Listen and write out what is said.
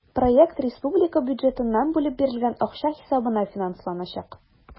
Проект республика бюджетыннан бүлеп бирелгән акча хисабына финансланачак.